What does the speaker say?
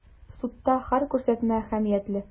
Судта һәр күрсәтмә әһәмиятле.